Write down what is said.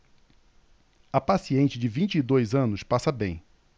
a paciente de vinte e dois anos passa bem